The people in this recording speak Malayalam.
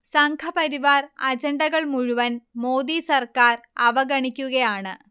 സംഘപരിവാർ അജണ്ടകൾ മുഴുവൻ മോദി സർക്കാർ അവഗണിക്കുകയാണ്